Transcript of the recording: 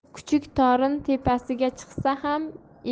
kuchuk torn tepasiga chiqsa